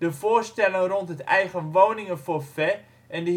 voorstellen rond het eigenwoningenforfait en de